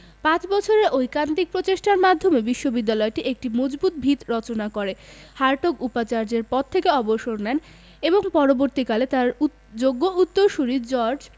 পাঁচ বছরের ঐকান্তিক প্রচেষ্টার মাধ্যমে বিশ্ববিদ্যালয়টির একটি মজবুত ভিত রচনা করে হার্টগ উপাচার্যের পদ থেকে অবসর নেন এবং পরবর্তীকালে তাঁর যোগ্য উত্তরসূরি জর্জ